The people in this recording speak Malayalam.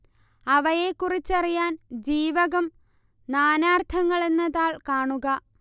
അവയെക്കുറിച്ചറിയാൻ ജീവകം നാനാർത്ഥങ്ങൾ എന്ന താൾ കാണുക